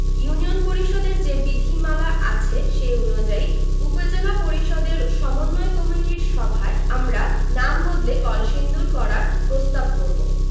union পরিষদের যে বিধিমালা আছে সে অনুযায়ী উপজেলা পরিষদের সমন্বয় কমিটির সভায় আমরা নাম বদলে কলসিন্দুর করার প্রস্তাব করব